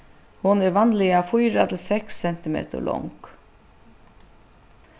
hon er vanliga fýra til seks cm long